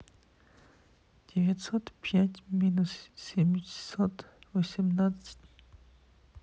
девятьсот пять минус семьсот восемнадцать